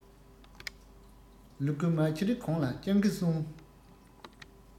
ལུ གུ མ འཁྱེར གོང ལ སྤྱང ཀི སྲུངས